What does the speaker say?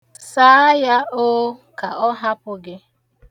Saa ya 'oo' ka ọ hapụ gị.